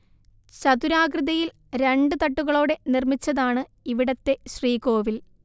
ചതുരാകൃതിയിൽ രണ്ട് തട്ടുകളോടെ നിർമ്മിച്ചതാണ് ഇവിടത്തെ ശ്രീകോവിൽ